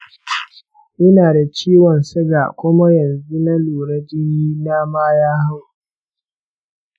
ina da ciwon siga kuma yanzu na lura jini na ma ya hau.